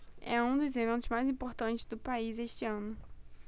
é um dos eventos mais importantes do país este ano